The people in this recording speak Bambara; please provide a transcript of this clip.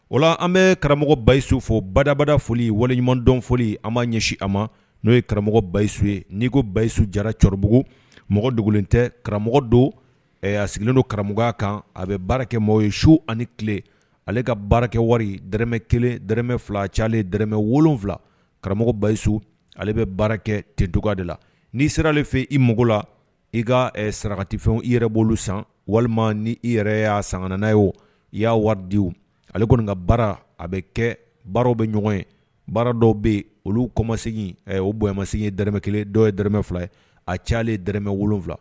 Wala an bɛ karamɔgɔ bayisu fo badabada foli waleɲumandɔn foli an m ma ɲɛsin a ma n'o ye karamɔgɔ basiyisu ye n'iko basiyisu jara cɛkɔrɔbabugu mɔgɔ dugulen tɛ karamɔgɔ don a sigilen don karamɔgɔ kan a bɛ baara kɛ mɔgɔ ye su ani tile ale ka baarakɛ wari dmɛ kelen dmɛ fila ca dmɛ wolofila karamɔgɔ basiyisu ale bɛ baara kɛ ttuga de la n'i sera ale fɛ i mago la i ka sarakatifɛn i yɛrɛ bɔ san walima ni i yɛrɛ y' san n' ye i y'a waridi ale kɔni nka baara a bɛ kɛ baaraw bɛ ɲɔgɔn ye baara dɔw bɛ yen olu kɔmasegin o bonyamasi ye dɛrɛmɛ kelen dɔw ye d fila ye a ca d wolo wolonwula